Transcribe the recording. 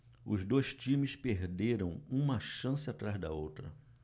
os dois times perderam uma chance atrás da outra